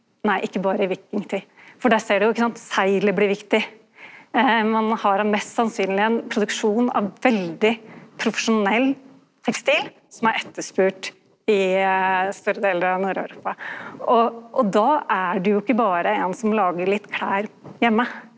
nei ikkje berre i , for der ser du ikkje sant seglet blir viktig ein har ein mest sannsynleg ein produksjon av veldig profesjonell tekstil som er etterspurt i store delar av Nord-Europa og og då er du jo ikkje berre ein som lagar litt klede heime.